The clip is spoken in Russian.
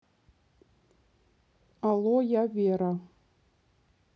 ало я вера